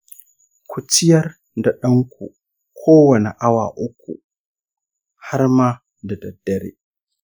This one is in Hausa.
ku ciyar da ɗanku kowane awa uku, har ma da daddare.